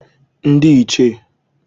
ndị ichie